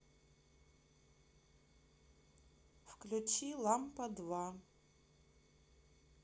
включи лампа два